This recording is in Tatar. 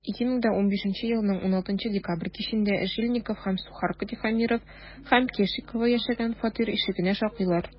2015 елның 16 декабрь кичендә жильников һәм сухарко тихомиров һәм кешикова яшәгән фатир ишегенә шакыйлар.